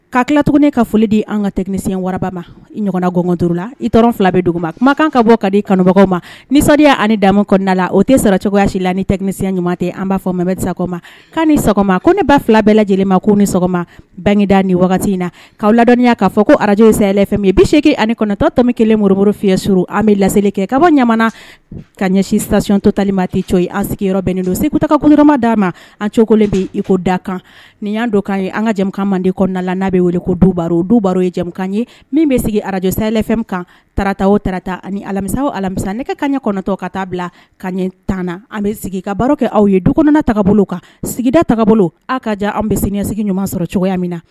Ka tila tuguni ne ka foli di an ka tɛmɛsiyɛn wararaba ma ɲɔgɔnna gɔnt la i dɔrɔn fila bɛ dugu ma kuma kan ka bɔ ka di kanubagaw ma nisadenyaya ani'mu kɔnɔnada la o tɛ sara cogoyayasi la ni tɛsiyɛn ɲuman tɛ an b'a fɔ mɛ bɛ se sama kan ni sɔgɔma ko ne ba fila bɛɛ lajɛlen ma ko ni sɔgɔma bangegeda ni in na'aw ladɔnya k'a fɔ ko araj sayafɛ ye bɛ seeke ani kɔnɔtɔ ta kelen morioro fiyɛ sur an bɛ laeli kɛ ka bɔ ɲamana ka ɲɛsin sasiyɔntɔ talima tɛ co ye an sigiyɔrɔ yɔrɔ bɛnnen don segutakundima da ma an cogo bɛ iko da kan nin y' don k kan ye an kakan mande kɔnɔna nala n'a bɛ wele ko duba o du baro yekan ye min bɛ sigi araj safɛn kan tata o tata ani alami alamisa ne ka ɲɛ kɔnɔtɔ ka taa bila ka ɲɛ tanana an bɛ sigi ka baro kɛ aw ye du kɔnɔnataa bolo kan sigidataa bolo a ka jan an bɛ sɲɛsigi ɲuman sɔrɔ cogoya min na